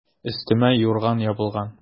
Өстемә юрган ябылган.